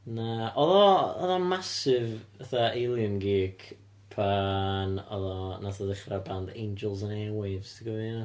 Na, oedd o... oedd o'n massive, fatha, alien geek pan oedd o... wnaeth o ddechrau'r band Angels and Airwaves, ti'n cofio hynna?